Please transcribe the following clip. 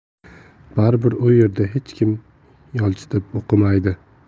bari bir u yerda hech kim yolchitib o'qimaydi